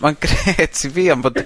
Ma'n grêt i fi am fod...